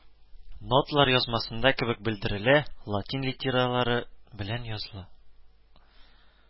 Ноталар язмасында кебек белдерелә, латин литералары белән языла